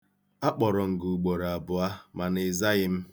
Akpọrọ m gị ugboro abụọ mana ị zaghị m.